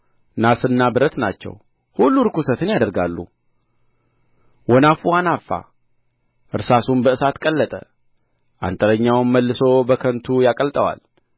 ናስና ብረት ናቸው ሁሉ ርኵሰትን ያደርጋሉ ወናፍ አናፋ እርሳሱም በእሳት ቀለጠ አንጥረኛውም መልሶ በከንቱ ያቀልጠዋል